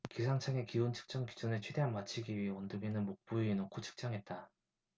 기상청의 기온 측정 기준에 최대한 맞추기 위해 온도계는 목 부위에 놓고 측정했다